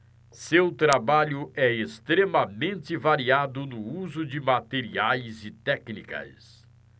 seu trabalho é extremamente variado no uso de materiais e técnicas